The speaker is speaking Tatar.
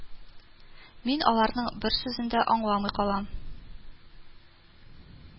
Мин аларның бер сүзен дә аңламый калам